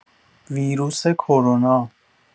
ویروس کرونا